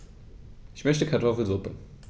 Ich möchte Kartoffelsuppe.